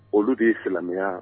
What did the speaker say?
Olu de ye silamɛya